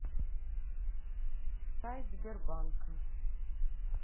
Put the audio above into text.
сайт сбербанка